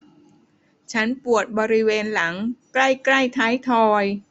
ฉันปวดบริเวณหลังใกล้ใกล้ท้ายทอย